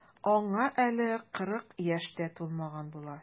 Аңа әле кырык яшь тә тулмаган була.